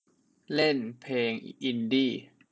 เล่นเพลงอินดี้